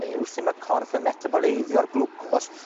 fe yw su' ma'r corff yn metaboleiddio'r glwcos,